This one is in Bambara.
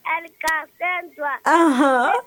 Hali ka den jɔ